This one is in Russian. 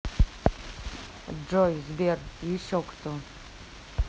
джой сбер еще кто